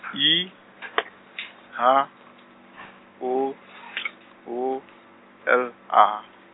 I, H, O, O, L, A.